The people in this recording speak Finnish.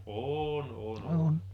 on on on